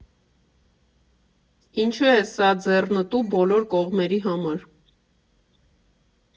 Ինչու է սա ձեռնտու բոլոր կողմերի համար։